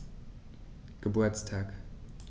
Geburtstag